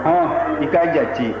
hɔn i k'a jate